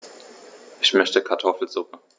Ich möchte Kartoffelsuppe.